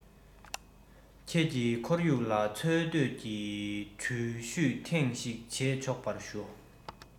ཁྱེད ཀྱི ཁོར ཡུག ལ འཚོལ སྡུད ཀྱི འགྲུལ བཞུད ཐེངས ཤིག བྱེད ཆོག པར ཞུ